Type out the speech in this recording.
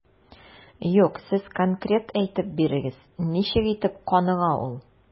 Юк, сез конкрет әйтеп бирегез, ничек итеп каныга ул?